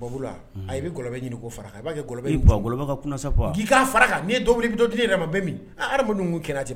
A bɛlɔ ɲini ko fara a b'alɔba ka sa k'i fara dɔn d yɛrɛ ma bɛ min minnu kɛnɛ